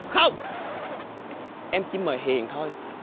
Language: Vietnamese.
không em chỉ mời hiền thôi